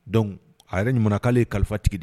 Don a yɛrɛ ɲuman k'ale ye kalifatigi di